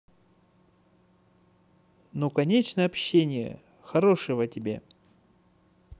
ну конечно общение хорошего тебе